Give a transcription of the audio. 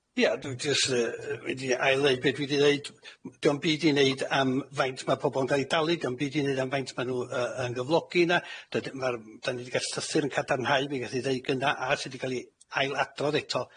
Ia, dwi jys' yy wedi ail-ddeud be' dwi 'di ddeud. M- dio'm byd i neud am faint ma' pobol yn ga'l 'i dalu, dio'm byd i neud am faint ma' nw yy yn gyflogi yna. Dyd- ma'r m- 'dan ni 'di ga' llythyr yn cadarnhau be' gath i ddeud gynna, a sy' 'di ca'l i ailadrodd eto,